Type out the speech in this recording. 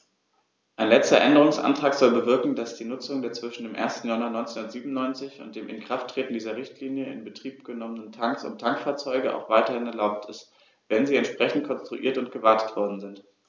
Ein letzter Änderungsantrag soll bewirken, dass die Nutzung der zwischen dem 1. Januar 1997 und dem Inkrafttreten dieser Richtlinie in Betrieb genommenen Tanks und Tankfahrzeuge auch weiterhin erlaubt ist, wenn sie entsprechend konstruiert und gewartet worden sind.